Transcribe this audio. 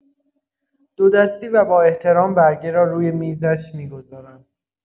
دو دستی و با احترام برگه را روی میزش می‌گذارم.